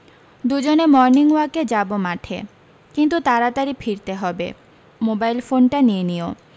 দুজনে মর্নিং ওয়াকে যাবো মাঠে কিন্তু তাড়াতাড়ি ফিরতে হবে মোবাইল ফোনটা নিয়ে নিও